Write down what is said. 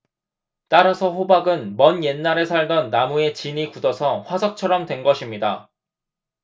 따라서 호박은 먼 옛날에 살던 나무의 진이 굳어서 화석처럼 된 것입니다